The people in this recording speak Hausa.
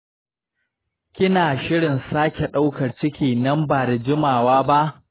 kina shirin sake ɗaukar ciki nan ba da jimawa ba?